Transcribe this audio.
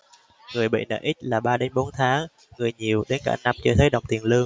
người bị nợ ít là ba đến bốn tháng người nhiều đến cả năm chưa thấy đồng tiền lương